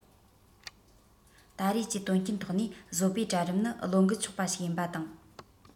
ད རེས ཀྱི དོན རྐྱེན ཐོག ནས བཟོ པའི གྲལ རིམ ནི བློས འགེལ ཆོག པ ཞིག ཡིན པ དང